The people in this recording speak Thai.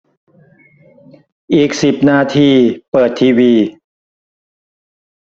อีกสิบนาทีเปิดทีวี